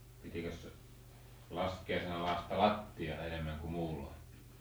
pitikös laskiaisena lakaista lattiaa enemmän kuin muulloin